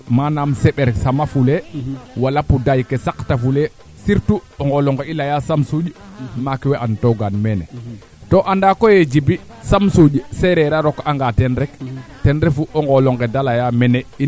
yaamo jeaga o axum wene mboora na qoola ndaq fo ñaal xarɓaxay fo ɓetik waaga bo xotoona den bugo duufaden to a teɓake a durer kaa a qoola tadak kem kaa anso naye roog fe xana deɓan